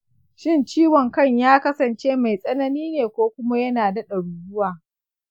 shin ciwon kan ya kasance mai tsanani ne ko kuma yana daɗa ruruwa?